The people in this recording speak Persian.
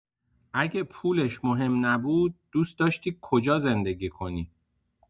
اگه پولش مهم نبود، دوست داشتی کجا زندگی کنی؟